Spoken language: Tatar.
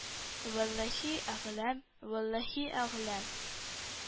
-валлаһи әгълам, валлаһи әгълам.